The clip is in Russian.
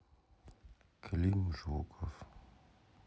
клим жуков